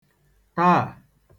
taà